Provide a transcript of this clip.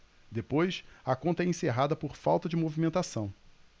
depois a conta é encerrada por falta de movimentação